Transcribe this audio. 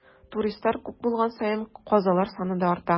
Туристлар күп булган саен, казалар саны да арта.